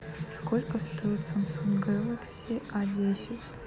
сколько стоит samsung galaxy a десять